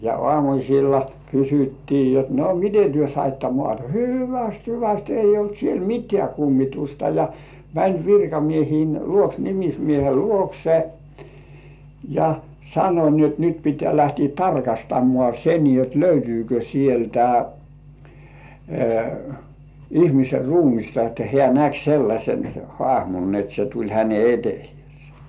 ja aamuisin kysyttiin jotta no miten te saitte maata hyvästi hyvästi ei ollut siellä mitään kummitusta ja meni virkamiesten luokse nimismiehen luokse ja sanoi niin jotta nyt pitää lähteä tarkastamaan se niin jotta löytyykö sieltä ihmisen ruumista että hän näki sellaisen haamun niin että se tuli hänen eteensä